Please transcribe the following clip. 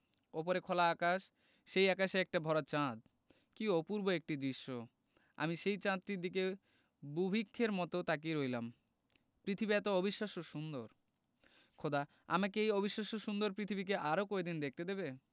ওপরে খোলা আকাশ সেই আকাশে একটা ভরা চাঁদ কী অপূর্ব একটি দৃশ্য আমি সেই চাঁদটির দিকে বুভিক্ষের মতো তাকিয়ে রইলাম পৃথিবী এতো অবিশ্বাস্য সুন্দর খোদা আমাকে এই অবিশ্বাস্য সুন্দর পৃথিবীকে আরো কয়দিন দেখতে দেবে